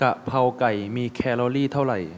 กะเพราไก่มีแคลอรี่เท่าไหร่